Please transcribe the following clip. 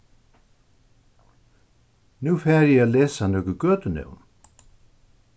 nú fari eg at lesa nøkur gøtunøvn